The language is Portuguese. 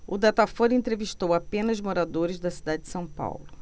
o datafolha entrevistou apenas moradores da cidade de são paulo